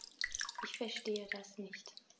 Ich verstehe das nicht.